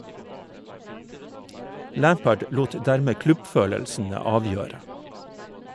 Lampard lot dermed klubbfølelsene avgjøre.